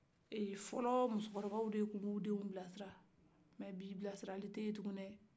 fɔlɔ muso kɔrɔbaw de tun bu denw bilasira sisan bilasirali ten